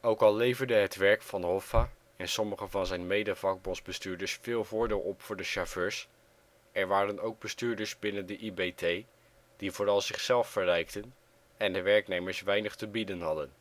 Ook al leverde het werk van Hoffa en sommigen van zijn mede-vakbondsbestuurders veel voordeel op voor de chauffeurs, er waren ook bestuurders binnen de IBT die vooral zichzelf verrijkten en de werknemers weinig te bieden hadden